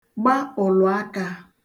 gba ụ̀lụ̀akā